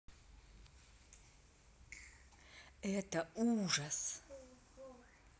это ужас